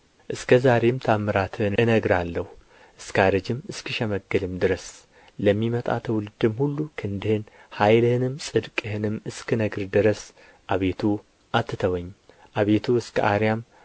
እስከ ዛሬም ተአምራትህን እነግራለሁ እስካረጅም እስክሸመግልም ድረስ ለሚመጣ ትውልድም ሁሉ ክንድህን ኃይልህንም ጽድቅህንም እስክነግር ድረስ አቤቱ አትተወኝ አቤቱ እስከ አርያም